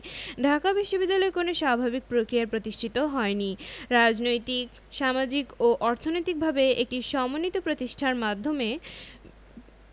ঢাকা বিশ্ববিদ্যালয় কোনো স্বাভাবিক প্রক্রিয়ায় প্রতিষ্ঠিত হয়নি রাজনৈতিক সামাজিক ও অর্থনৈতিকভাবে একটি সমন্বিত প্রচেষ্টার মাধ্যমে